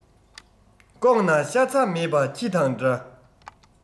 ལྐོག ན ཤ ཚ མེད པ ཁྱི དང འདྲ